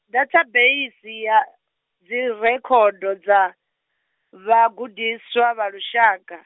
dathabeisi ya, Dzirekhodo dza, vhagudiswa vha lushaka.